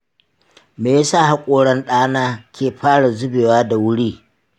me ya sa haƙoran ɗa na ke fara zubewa da wuri?